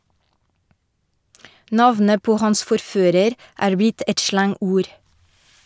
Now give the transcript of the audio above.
Navnet på hans forfører er blitt et slangord.